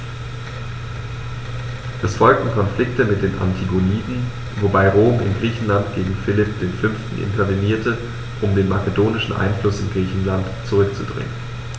Es folgten Konflikte mit den Antigoniden, wobei Rom in Griechenland gegen Philipp V. intervenierte, um den makedonischen Einfluss in Griechenland zurückzudrängen.